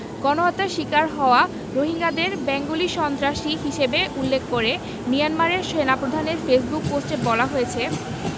গণহত্যার শিকার হওয়া রোহিঙ্গাদের বেঙ্গলি সন্ত্রাসী হিসেবে উল্লেখ করে মিয়ানমারের সেনাপ্রধানের ফেসবুক পোস্টে বলা হয়েছে